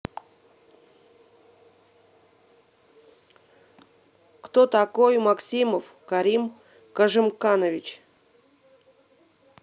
кто такой масимов карим кажимканович